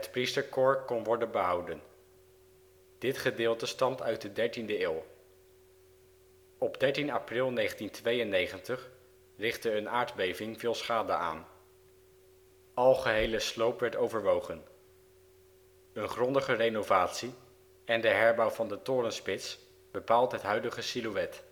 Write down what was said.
Priesterkoor kon worden behouden. Dit gedeelte stamt uit de 13e eeuw. Op 13 april 1992 richtte een aardbeving veel schade aan. Algehele sloop werd overwogen. Een grondige renovatie, en de herbouw van de torenspits bepaalt het huidige silhouet